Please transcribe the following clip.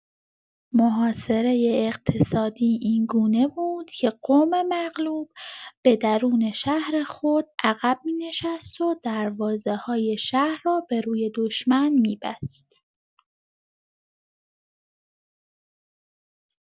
محاصره اقتصادی اینگونه بود که قوم مغلوب به درون شهر خود عقب می‌نشست و دروازه‌های شهر را به روی دشمن می‌بست.